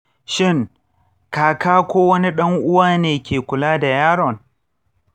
shin kaka ko wani ɗan uwa ne ke kula da yaron?